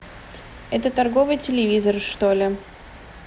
это торговый телевизор что ли